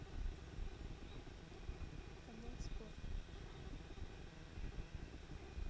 канал спорт